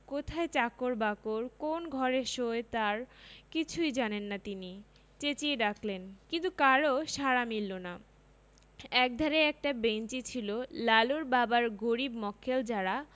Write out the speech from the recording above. কোথায় চাকর বাকর কোন্ ঘরে শোয় তারা কিছুই জানেন না তিনি চেঁচিয়ে ডাকলেন কিন্তু কারও সাড়া মিলল না একধারে একটা বেঞ্চি ছিল লালুর বাবার গরীব মক্কেল যারা